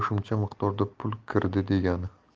miqdorda pul kirdi degani